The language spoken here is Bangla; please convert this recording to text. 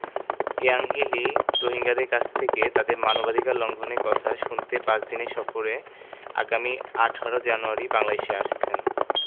ইয়াংহি লি রোহিঙ্গাদের কাছ থেকে তাদের মানবাধিকার লঙ্ঘনের কথা শুনতে পাঁচ দিনের সফরে আগামী ১৮ জানুয়ারি বাংলাদেশে আসছেন